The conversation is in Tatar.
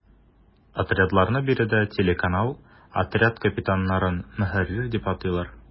Отрядларны биредә “телеканал”, отряд капитаннарын “ мөхәррир” дип атыйлар.